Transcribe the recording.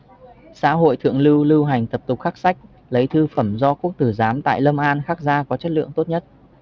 xã hội thượng lưu lưu hành tập tục khắc sách lấy thư phẩm do quốc tử giám tại lâm an khắc ra có chất lượng tốt nhất